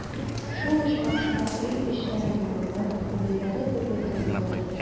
Шул очракта өй эчләре нурлы, күңелләре бербөтен булыр.